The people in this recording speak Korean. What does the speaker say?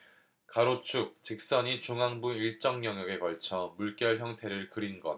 가로축 직선이 중앙부 일정 영역에 걸쳐 물결 형태를 그린 것